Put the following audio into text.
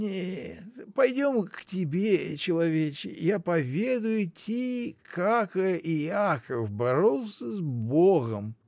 Нет, пойдем к тебе, человече: я поведаю ти, како Иаков боролся с Богом.